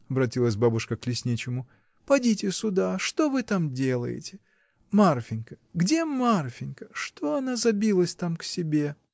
— обратилась бабушка к лесничему, — подите сюда, что вы там делаете? — Марфинька, где Марфинька? Что она забилась там к себе?